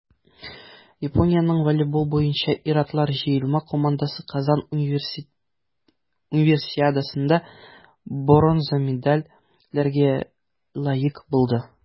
Япониянең волейбол буенча ир-атлар җыелма командасы Казан Универсиадасында бронза медальләргә лаек булды.